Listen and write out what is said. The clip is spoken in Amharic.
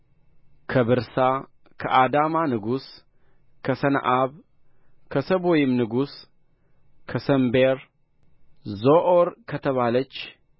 ከብርሳ ከአዳማ ንጉሥ ከሰነአብ ከሰቦይም ንጉሥ ከሰሜበር ዞዓር ከተባለች